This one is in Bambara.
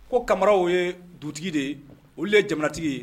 Ko kama o ye dugutigi de ye olu de ye jamanatigi ye